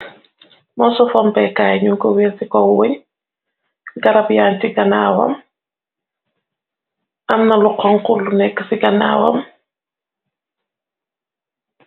Moso pompekaay ñu ko wer ci kow wuñ garab yaan ci ganaawam amnalu xonxull nekk ci ganaawam.